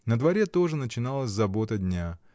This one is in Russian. На дворе тоже начиналась забота дня.